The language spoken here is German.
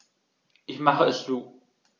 Ich mache es zu.